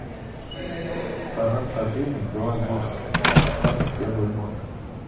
парад победы в белогорске двадцать первый год